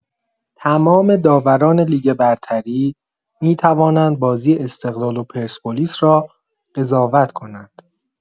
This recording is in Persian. تمام داوران لیگ برتری می‌توانند بازی استقلال و پرسپولیس را قضاوت کنند.